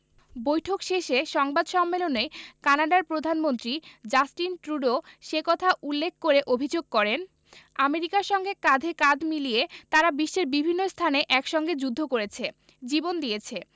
বৈঠক শেষে সংবাদ সম্মেলনে কানাডার প্রধানমন্ত্রী জাস্টিন ট্রুডো সে কথা উল্লেখ করে অভিযোগ করেন আমেরিকার সঙ্গে কাঁধে কাঁধ মিলিয়ে তারা বিশ্বের বিভিন্ন স্থানে একসঙ্গে যুদ্ধ করেছে জীবন দিয়েছে